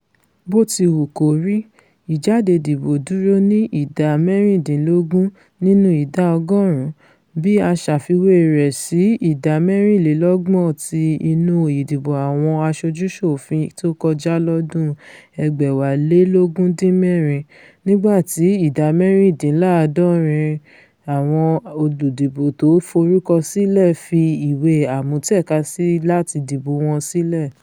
Bó ti wù kórí, ìjáde-dìbò dúró ní ìdá mẹ́rìndínlógún nínú ìdá ọgọ́ọ̀run, bí a ṣafiwé rẹ̀ sì ìdá mẹ́rìnlélọ́gbọ̀n ti inú ìdìbò àwọn aṣojú-ṣòfin tókọjá lọ́dún 2016 nígbàti ìdá mẹ́rìndíńlá́àádọ́rin àwọn olùdìbò tó forúkọ sílẹ̀ fi ìwé àmútẹkasí láti dìbo wọn sílẹ̀.